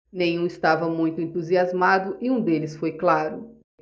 nenhum estava muito entusiasmado e um deles foi claro